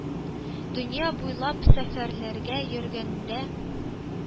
Дөнья буйлап сәфәрләргә йөргәндә,